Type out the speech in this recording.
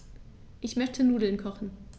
Ich möchte Nudeln kochen.